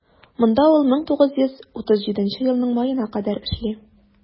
Монда ул 1937 елның маена кадәр эшли.